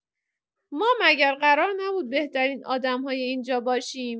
ما مگر قرار نبود بهترین آدم‌های اینجا باشیم؟